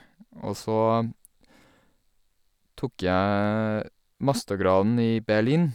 Og så tok jeg mastergraden i Berlin.